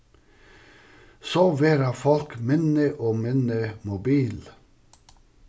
so verða fólk minni og minni mobil